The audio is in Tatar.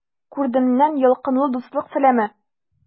Күрдемнән ялкынлы дуслык сәламе!